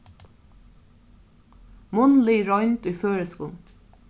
munnlig roynd í føroyskum